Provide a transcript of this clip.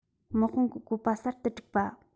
དམག དཔུང གི བཀོད པ གསར དུ བསྒྲིགས པ